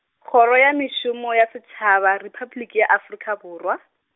kgoro ya Mešomo ya Setšhaba, Repabliki ya Afrika Borwa.